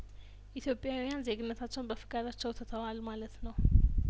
ኢትዮጵያዊያን ዜግነታቸውን በፈቃዳቸው ትተዋል ማለት ነው